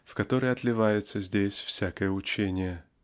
в который отливается здесь всякое учение.